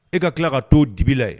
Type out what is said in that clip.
E ka tila ka to' dibi la ye